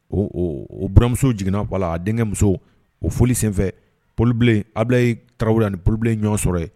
Ouramuso jiginna wala a denkɛ muso o foli senfɛ polibilen abila ye tarawelela ni polibilenlen ɲɔgɔn sɔrɔ ye